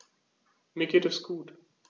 Mir geht es gut.